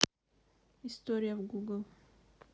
история в google